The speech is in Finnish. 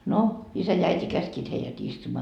no isä ja äiti käskivät heidät istumaan